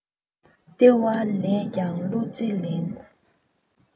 ལྟེ བ ལས ཀྱང གླ རྩི ལེན